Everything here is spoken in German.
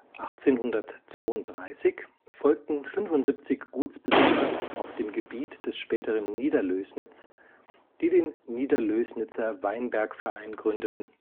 1832 folgten 75 Gutsbesitzer auf dem Gebiet des späteren Niederlößnitz, die den Niederlößnitzer Weinbergverein gründeten